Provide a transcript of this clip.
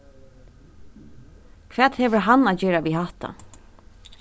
hvat hevur hann at gera við hatta